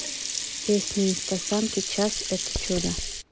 песня инстасамки час это чудо